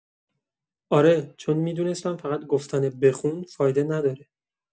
آره، چون می‌دونستم فقط گفتن «بخون» فایده نداره.